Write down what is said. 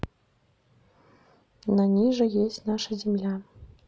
на ниже есть наша земля